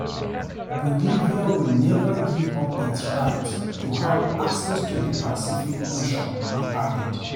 "Bolivia will never give up its right to have access to the Pacific Ocean," he added.